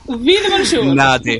...fi ddim yn siŵr. Nadi.